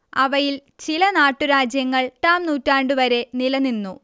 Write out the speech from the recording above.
അവയിൽ ചില നാട്ടുരാജ്യങ്ങൾ എട്ടാം നൂറ്റാണ്ടുവരെ നിലനിന്നു